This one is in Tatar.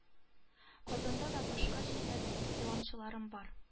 Казанда да башка җирдә дә дәвамчыларым бар